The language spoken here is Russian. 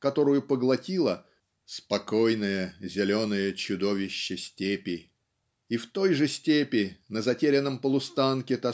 которую поглотило "спокойное зеленое чудовище степи". И в той же степи на затерянном полустанке